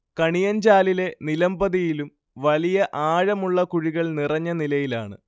കണിയഞ്ചാലിലെ നിലംപതിയിലും വലിയ ആഴമുള്ള കുഴികൾ നിറഞ്ഞനിലയിലാണ്